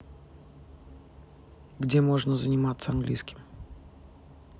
где можно заниматься английским